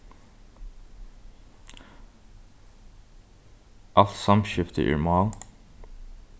alt samskifti er mál